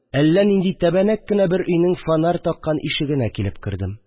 Әллә нинди тәбәнәк кенә бер өйнең фонарь таккан ишегенә килеп кердем